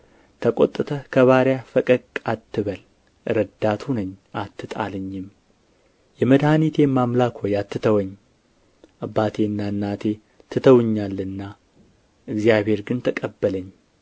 ተቈጥተህ ከባሪያህ ፈቀቅ አትበል ረዳት ሁነኝ አትጣለኝም የመድኃኒቴም አምላክ ሆይ አትተውኝ አባቴና እናቴ ትተውኛልና እግዚአብሔር ግን ተቀበለኝ